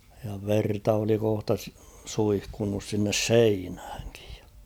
ja verta oli kohta - suihkunnut sinne seinäänkin ja